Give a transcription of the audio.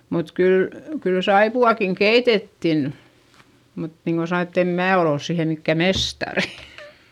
mutta kyllä kyllä saippuaakin keitettiin mutta niin kuin sanoin että en minä ole ole siihen mikään mestari